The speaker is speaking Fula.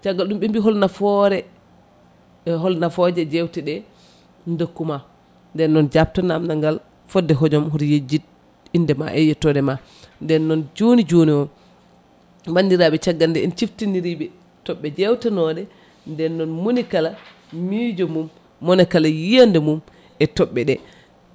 caggal ɗum ɓe mbi hol nafoore hol nafooje jewteɗe dokkuma nden noon jabto namdal ngal fodde hojom oto yejjid indema e yettode ma nden noon joni joni o bandirɓe caggal nde en cifftiniriɓe toɓɓe jewtanoɗe nden noon moniklala mijo mum monikala yiyande mum e toɓɓe ɗe